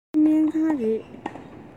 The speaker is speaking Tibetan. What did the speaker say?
ཕ གི སྨན ཁང རེད